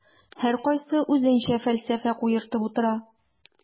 Һәркайсы үзенчә фәлсәфә куертып утыра.